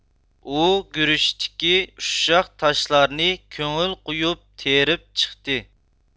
ئۇ گۈرۈچتىكى ئۇششاق تاشلارنى كۆڭۈل قويۇپ تېرىپ چىقتى